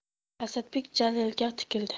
asadbek jalilga tikildi